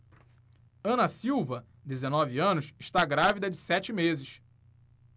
ana silva dezenove anos está grávida de sete meses